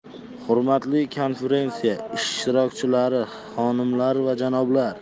hurmatli konferensiya ishtirokchilari xonimlar va janoblar